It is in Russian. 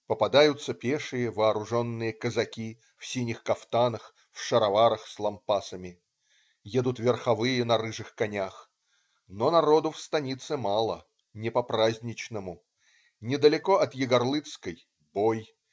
Попадаются пешие вооруженные казаки, в синих кафтанах, в шароварах с лампасами. Едут верховые на рыжих конях. Но народу в станице мало. Не по-праздничному. Недалеко от Егорлыцкой - бой.